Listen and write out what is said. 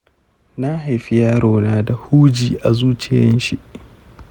na haifi yarona da huji a zuciyanshi.